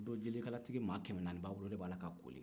o don jelikalatigi kɛmɛ naani de b'a bolo o de b'a la ka koli